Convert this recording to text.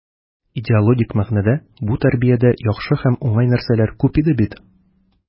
Идеологик мәгънәдә бу тәрбиядә яхшы һәм уңай нәрсәләр күп иде бит.